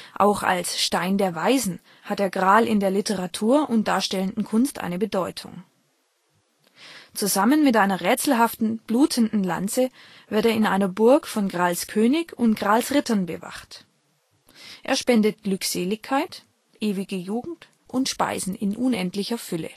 Auch als Stein der Weisen hat der Gral in der Literatur und darstellenden Kunst eine Bedeutung. Zusammen mit einer rätselhaften blutenden Lanze wird er in einer Burg von Gralskönig und Gralsrittern bewacht. Er spendet Glückseligkeit, ewige Jugend und Speisen in unendlicher Fülle